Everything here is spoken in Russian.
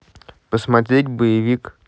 посмотреть боевик